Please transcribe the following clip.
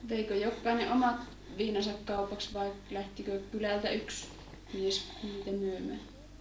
veikö jokainen omat viinansa kaupaksi vai lähtikö kylältä yksi mies niitä myymään